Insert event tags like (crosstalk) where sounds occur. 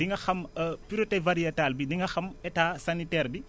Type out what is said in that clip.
di nga xam (hesitation) pureté variétale bi di nga xam état sanitaire bi